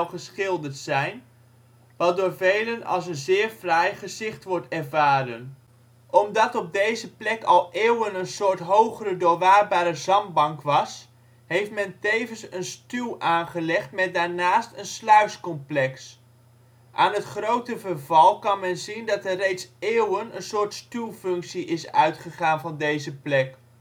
geschilderd zijn, wat door velen als een fraai gezicht wordt ervaren. Omdat op deze plek al eeuwen een soort hogere doorwaadbare zandbank was, heeft men tevens een stuw aangelegd met daarnaast een sluiscomplex. Aan het grote verval kan men zien dat er reeds eeuwen een soort stuwfunctie is uitgegaan van deze plek